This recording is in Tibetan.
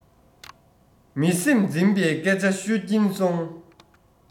མི སེམས འཛིན པའི སྐད ཆ ཤོད ཀྱིན སོང